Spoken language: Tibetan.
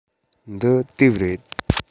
འདི དེབ རེད